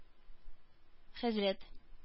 Хәзрәт